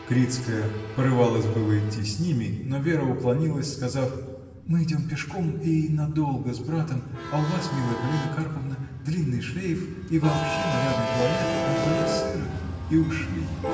Крицкая порывалась было идти с ними, но Вера уклонилась, сказав: — Мы идем пешком и надолго с братом, а у вас, милая Полина Карповна, длинный шлейф и вообще нарядный туалет — на дворе сыро. И ушли.